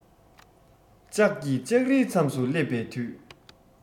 ལྕགས ཀྱི ལྕགས རིའི མཚམས སུ སླེབས པའི དུས